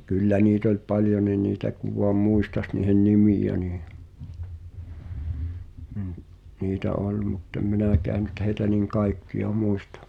ja kyllä niitä oli paljonkin niitä kun vain muistaisi niiden nimiä niin niitä oli mutta en minäkään nyt heitä niin kaikkia muista